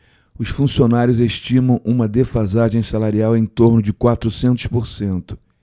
os funcionários estimam uma defasagem salarial em torno de quatrocentos por cento